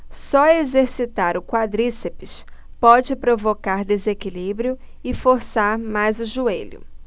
só exercitar o quadríceps pode provocar desequilíbrio e forçar mais o joelho